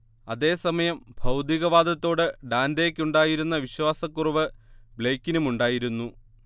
അതേസമയം ഭൗതികവാദത്തോട് ഡാന്റേക്കുണ്ടായിരുന്ന വിശ്വാസക്കുറവ് ബ്ലെയ്ക്കിനുമുണ്ടായിരുന്നു